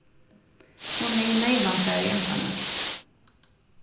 hon hevði neyvan farið einsamøll